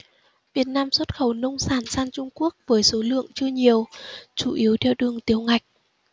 việt nam xuất khẩu nông sản sang trung quốc với số lượng chưa nhiều chủ yếu theo đường tiểu ngạch